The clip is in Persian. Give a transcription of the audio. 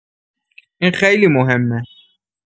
این خیلی مهمه.